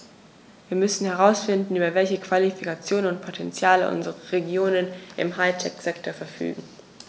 Wir müssen herausfinden, über welche Qualifikationen und Potentiale unsere Regionen im High-Tech-Sektor verfügen.